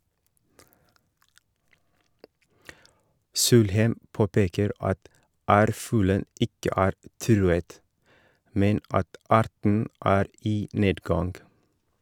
Solheim påpeker at ærfuglen ikke er truet, men at arten er i nedgang.